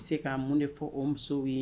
N bɛ se ka mun de fɔ o musow ye